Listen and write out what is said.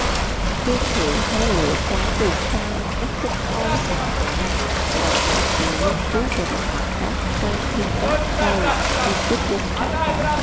viên thiệu thấy lửa cháy từ xa biết tin ô sào bị đánh một mặt điều quân cứu quỳnh mặt khác sai trương cáp cao lãm đi cướp doanh trại tào